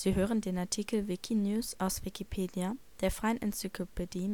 hören den Artikel Wikinews, aus Wikipedia, der freien Enzyklopädie